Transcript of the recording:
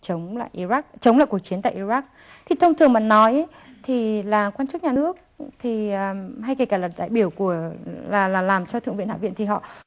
chống lại i rắc chống lại cuộc chiến tại i rắc thì thông thường mà nói thì là quan chức nhà nước thì hay kể cả là đại biểu của là là làm cho thượng viện hạ viện thì họ